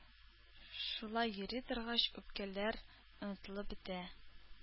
Шулай йөри торгач үпкәләр онытылып бетә.